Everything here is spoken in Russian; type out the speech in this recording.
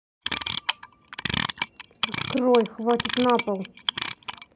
открой хватит на пол